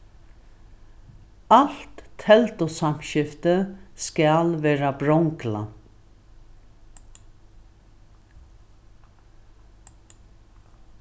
alt teldusamskifti skal vera bronglað